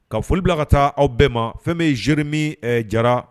Ka foli bila ka taa aw bɛɛ ma fɛn min ye ɛ Zeremi Jara